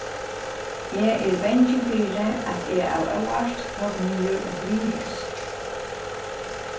eg eri bangin fyri at eg av óvart tók niður eitt virus